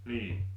niin